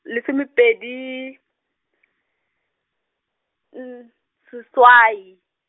lesomepedi, seswai.